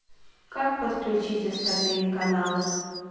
как подключить остальные каналы